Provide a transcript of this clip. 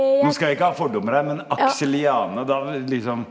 nå skal jeg ikke ha fordommer her men Axeliane da liksom.